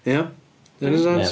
Ie? Ydy hynna wneud sens?